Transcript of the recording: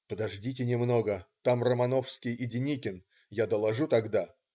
"Подождите немного, там Романовский и Деникин, я доложу тогда.